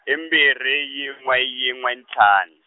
i mbirhi yin'we yin'we ntlhan-.